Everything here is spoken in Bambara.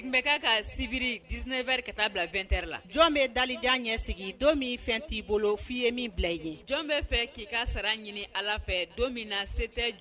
Biri disinɛ ka taa bila la jɔn bɛ dajan ɲɛ sigi don min fɛn t'i bolo f'i ye min bila i ye jɔn bɛ fɛ k'i ka sara ɲini ala fɛ don min na se tɛ